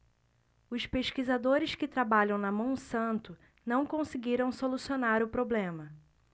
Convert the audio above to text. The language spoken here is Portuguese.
os pesquisadores que trabalham na monsanto não conseguiram solucionar o problema